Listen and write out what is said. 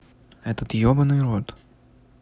этот ебаный рот